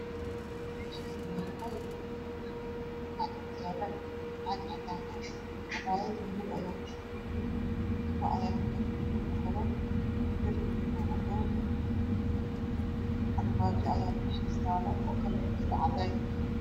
Meeshaan waa qol waxaa yaalo caag cadaan ah cabaayad madow ayaa kudhex jirto. Kabo ayaa halkaas iiga muuqdo darbiguna waa cadaan. Armaajo ayaa taalo oo cadaan ah.